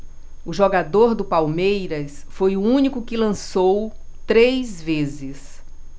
o jogador do palmeiras foi o único que lançou três vezes